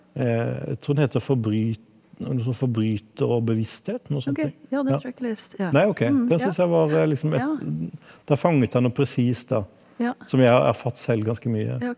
jeg tror den heter noe sånn Forbryter og bevissthet, noen sånne ting ja nei ok, den syns jeg var liksom et der fanget han noe presist da som jeg har erfart selv ganske mye.